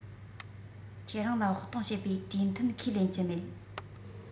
ཁྱེད རང ལ བོགས གཏོང བྱེད པའི གྲོས མཐུན ཁས ལེན གྱི མེད